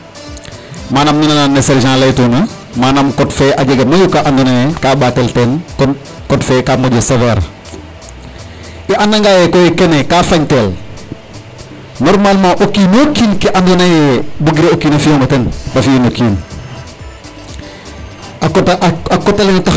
Manaam nu nana ne sergent laytuna manaam code fe a jega mayu ka andoona yee ka ɓaetel teen kon code fe ka moƴo sévère i andanga yee koy kene ka fañtel normalement o kiin o kiin ke andoona yee bugiro o kiin a fi'ong o ten ba fi'in o kiin.